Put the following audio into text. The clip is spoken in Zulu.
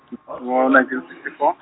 ngo ninteen sixty four.